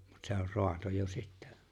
mutta se on raato jo sitten